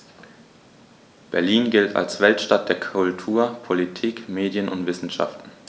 Berlin gilt als Weltstadt der Kultur, Politik, Medien und Wissenschaften.